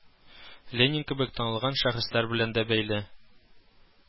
Ленин кебек танылган шәхесләр белән дә бәйле